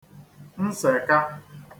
nsèka